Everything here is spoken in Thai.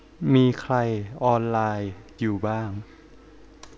มีใครออนไลน์อยู่บ้าง